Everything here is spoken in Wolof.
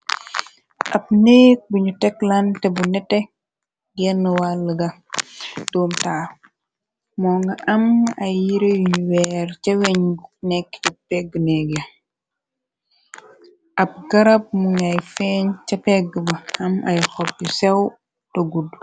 ab neek bunu teklaan te bu nete genn wàll ga doom taaw moo nga am ay yire yuñu weer ca weñ nekk ci pegg neege, ab garab mu ngay feeñ ca pegg ba am ay xob yu sew teguddu.